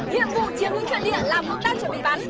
nhiệm vụ chiếm lĩnh trận địa làm công tác chuẩn bị bắn